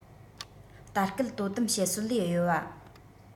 ལྟ སྐུལ དོ དམ བྱེད སྲོལ ལས གཡོལ བ